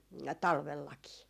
talvellakin